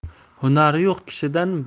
hunari yo'q kishidan